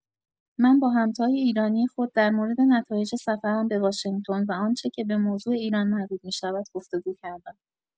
من با همتای ایرانی خود در مورد نتایج سفرم به واشنگتن و آنچه که به موضوع ایران مربوط می‌شود، گفت‌وگو کردم.